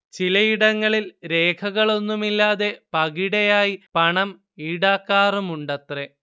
ചിലയിടങ്ങളിൽ രേഖകളൊന്നുമില്ലാതെ പകിടയായി പണം ഈടാക്കാറുമുണ്ടത്രെ